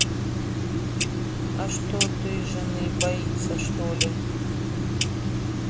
а что ты жены боится что ли